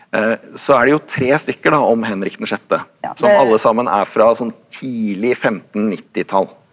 så er det jo tre stykker da om Henrik den sjette som alle sammen er fra sånn tidlig femtennittitall.